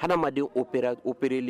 Hadamaden o pɛra o ppereeli